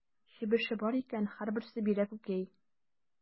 Чебеше бар икән, һәрберсе бирә күкәй.